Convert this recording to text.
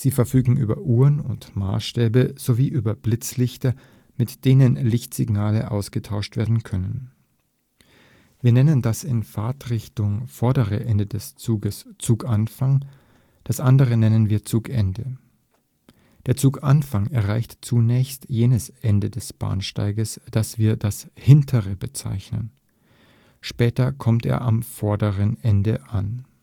verfügen über Uhren und Maßstäbe, sowie über Blitzlichter, mit denen Lichtsignale ausgetauscht werden können. Wir nennen das in Fahrtrichtung vordere Ende des Zuges „ Zuganfang “, das andere nennen wir „ Zugende “. Der Zuganfang erreicht zunächst jenes Ende des Bahnsteigs, das wir als das „ hintere “bezeichnen. Später kommt er am „ vorderen “Ende an